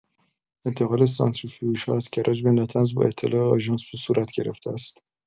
انتقال سانتریفیوژها از کرج به نطنز با اطلاع آژانس صورت گرفته است.